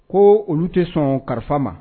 Ko olu tɛ sɔn kalifa ma.